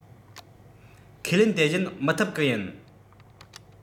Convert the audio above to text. ཁས ལེན དེ བཞིན མི ཐུབ ཀི ཡིན